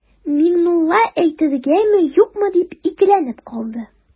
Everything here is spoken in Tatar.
Миңнулла әйтергәме-юкмы дип икеләнеп калды.